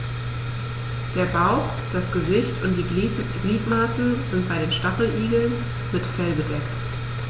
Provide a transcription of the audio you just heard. Der Bauch, das Gesicht und die Gliedmaßen sind bei den Stacheligeln mit Fell bedeckt.